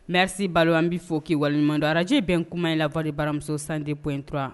Risi balo an bɛ fɔ k'i waleɲuman araje bɛn kuma in lawale baramuso san de bɔ intura